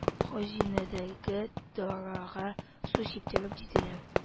Хәзинәдәге дарыга су сиптерә диделәр